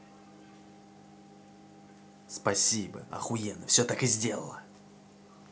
спасибо охуенно все так и сделала